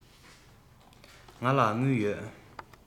ང ལ དངུལ ཡོད